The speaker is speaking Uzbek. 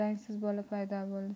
rangsiz bola paydo bo'ldi